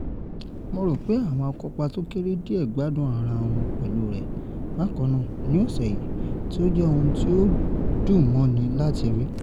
"Mo rò pé àwọn àkópa tó kéré díẹ̀ gbádùn ara wọn pẹ̀lú rẹ̀, bakan náà, ní ọ̀ṣẹ̀ yìí, tí ó jẹ́ ohun tí ó dùn mọ́ni láti rí.